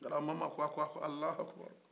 garabamama ko ko alahoakibaru